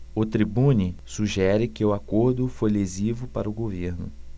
o tribune sugere que o acordo foi lesivo para o governo